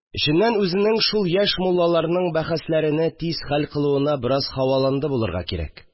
Эченнән үзенең шул яшь муллаларның бәхәсләрене тиз хәл кылуына бераз һаваланды булырга кирәк